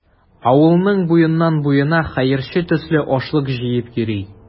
Авылның буеннан-буена хәерче төсле ашлык җыеп йөри.